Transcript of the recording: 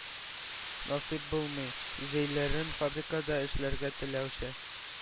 Насыйп булмый, җәйләрен фабрикада эшләргә теләүче